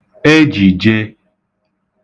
ejìjē